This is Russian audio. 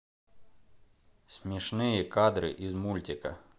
смешные кадры из мультика